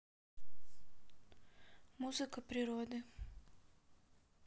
музыка природы